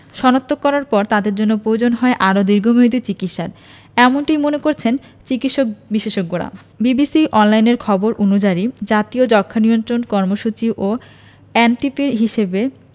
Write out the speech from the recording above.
শনাক্ত করার পর তাদের জন্য প্রয়োজন হয় আরও দীর্ঘমেয়াদি চিকিৎসার এমনটিই মনে করছেন চিকিৎসাবিশেষজ্ঞরা বিবিসি অনলাইনের খবর অনুযায়ী জাতীয় যক্ষ্মা নিয়ন্ত্রণ কর্মসূচি বা এনটিপির হিসেবে